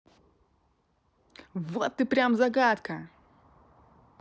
вот ты прям загадка